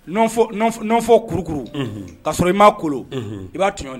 Fɔ kurukuru k ka sɔrɔ i m'a kolon i b'a to